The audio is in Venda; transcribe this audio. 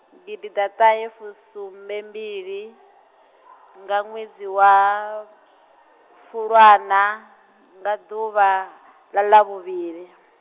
gidiḓaṱahefusumbembili, nga ṅwedzi wa, Fulwana, nga ḓuvha ḽa Ḽavhuvhili.